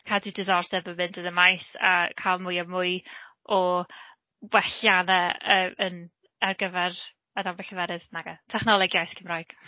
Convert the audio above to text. Cadw diddordeb yn mynd yn y maes, a cal mwy a mwy o wellianau yy yn ar gyfer adnabod lleferydd... nage, technoleg iaith Cymraeg.